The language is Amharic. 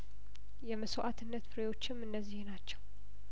የመስዋእትነት ፍሬዎችም እነዚህ ናቸው